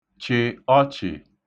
chị̀ ọchị̀